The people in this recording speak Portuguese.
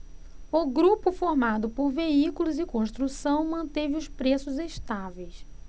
o grupo formado por veículos e construção manteve os preços estáveis